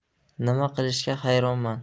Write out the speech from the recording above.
nima qilishga hayronman